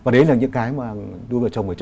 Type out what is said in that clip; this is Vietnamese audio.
và đấy là những cái mà đôi vợ chồng mới